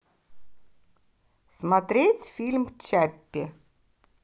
смотреть фильм чаппи